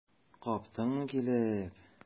Каптыңмы килеп?